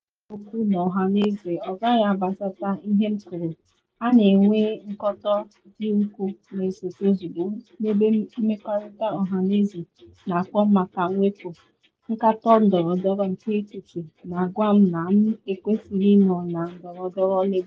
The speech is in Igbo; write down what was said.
Mgbe ọ bụla m kwuru okwu n’ọhaneze - ọ gaghị agbasata ihe m kwuru - a na enwe nkwụtọ dị ukwuu na esote ozugbo n’ebe mmerịkọta ọhaneze na akpọ maka mwepu, nkatọ ndọrọndọrọ nke etiti, na agwa m na m ekwesịghị ịnọ na ndọrọndọrọ Labour.